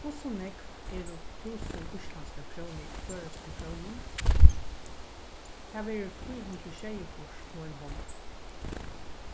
hvussu nógv eru túsund íslendskar krónur í føroyskum krónum tað verður fýra hundrað og sjeyogfýrs og ein hálv